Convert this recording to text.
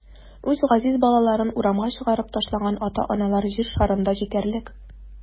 Үз газиз балаларын урамга чыгарып ташлаган ата-аналар җир шарында җитәрлек.